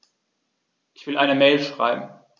Ich will eine Mail schreiben.